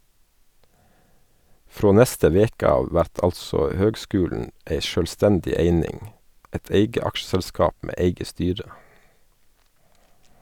Frå neste veke av vert altså høgskulen ei sjølvstendig eining, eit eige aksjeselskap med eige styre.